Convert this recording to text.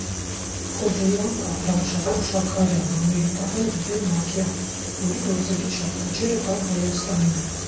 Կոջոյան կա, Վռամշապուհ Շաքարյան, ամերիկահայ Ռուբեն Մակյան, որի գործերից շատ քչերը կան Հայաստանում։